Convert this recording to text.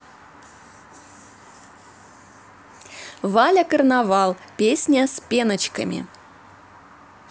валя карнавал песня с пеночками